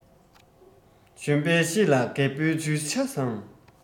གཞོན པའི ཤེད ལས རྒད པོའི ཇུས བྱ བཟང